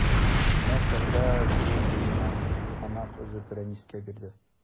Менә Сәгъдә юл буеннан тузганак өзеп Рәнискә бирде.